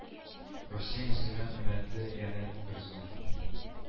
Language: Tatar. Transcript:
Русия мөселман өммәте янә бер зур